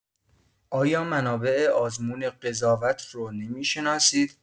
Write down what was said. آیا منابع آزمون قضاوت رو نمی‌شناسید؟